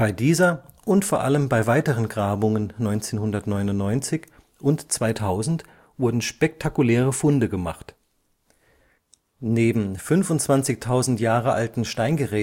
dieser und vor allem bei weiteren Grabungen 1999 und 2000 wurden spektakuläre Funde gemacht. Neben 25.000 Jahre alten Steingeräten